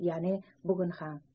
ya'ni bugun ham